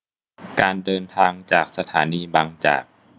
การเดินทางจากสถานีบางจาก